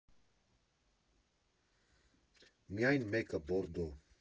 Միայն մեկը՝ բորդո։